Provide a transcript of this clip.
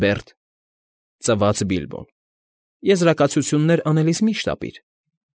Բերդ,֊ ծվաց Բիլբոն։֊ Եզրակացություններ անելիս մի՛ շտապեք։